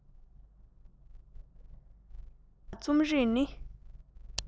དེ ལ རྩོམ རིག ནི